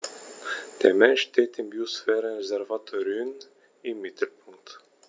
Der Mensch steht im Biosphärenreservat Rhön im Mittelpunkt.